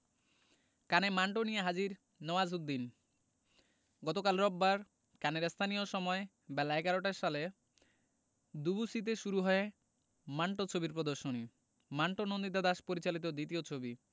কানে মান্টো নিয়ে হাজির নওয়াজুদ্দিন গতকাল রোববার কানের স্থানীয় সময় বেলা ১১টায় সালে দুবুসিতে শুরু হয় মান্টো ছবির প্রদর্শনী মান্টো নন্দিতা দাস পরিচালিত দ্বিতীয় ছবি